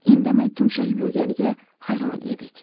indamay tumshayib yurganiga hayron edik